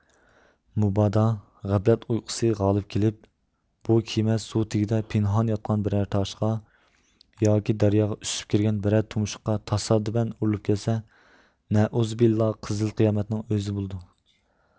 مۇبادا غەپلەت ئۇيقۇسى غالىپ كېلىپ بۇ كېمە سۇ تېگىدە پىنھان ياتقان بىرەر تاشقا ياكى دەرياغا ئۈسۈپ كىرگەن بىرەر تۇمشۇققا تاسادىپەن ئۇرۇلۇپ كەتسە نەئۇزۇبىللا قىزىل قىيامەتنىڭ ئۆزى بولىدۇ